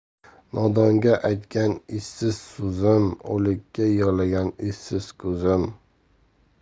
nodonga aytgan esiz so'zim o'likka yig'lagan esiz ko'zim